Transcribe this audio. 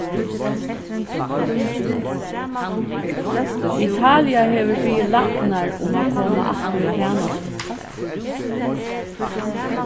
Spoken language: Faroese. italia hevur biðið læknar um at koma aftur í tænastu